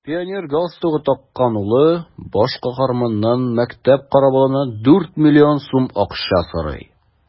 Пионер галстугы таккан улы баш каһарманнан мәктәп каравылына дүрт миллион сум акча сорый.